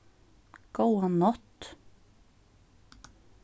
góða nátt